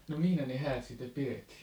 no missä ne häät sitten pidettiin